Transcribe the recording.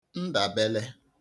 dàbele